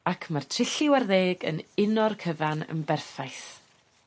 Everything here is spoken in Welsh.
Ac ma'r trilliw ar ddeg yn uno'r cyfan yn berffaith.